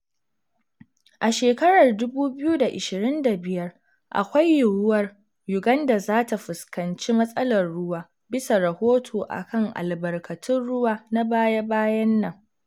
A 2025 akwai yiwuwar Uganda za ta fuskanci matsalar ruwa bisa rahoto a kan albarkatun ruwa na baya-bayan nan.